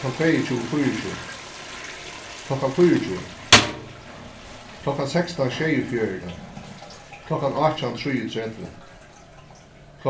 klokkan tveyogtjúgu fýraogtjúgu klokkan fýraogtjúgu klokkan sekstan sjeyogfjøruti klokkan átjan trýogtretivu